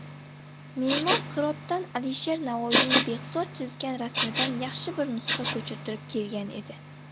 memor hirotdan alisher navoiyning behzod chizgan rasmidan yaxshi bir nusxa ko'chirtirib kelgan edi